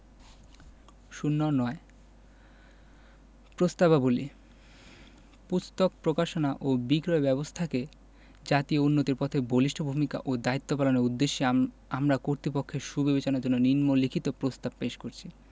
০৯ প্রস্তাবাবলী পুস্তক প্রকাশনা ও বিক্রয় ব্যাবস্থাকে জাতীয় উন্নতির পথে বলিষ্ঠ ভূমিকা ও দায়িত্ব পালনের উদ্দেশ্যে আমরা কর্তৃপক্ষের সুবিবেচনার জন্য নিন্ম লিখিত প্রস্তাব পেশ করছি